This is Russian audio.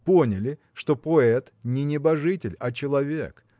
поняли, что поэт не небожитель, а человек